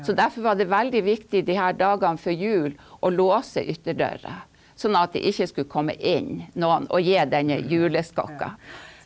så derfor var det veldig viktig de her dagene før jul å låse ytterdøra, sånn at det ikke skulle komme inn noen å gi denne juleskokken.